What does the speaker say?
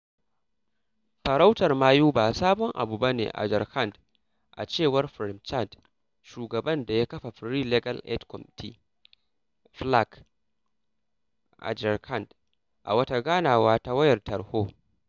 Farautar mayu ba sabon abu bane a Jharkhand a cewar Prem Chand, shugaban da ya kafa Free Legal Aid Committee (FLAC) a Jharkhand, a wata ganawa ta wayar tarho.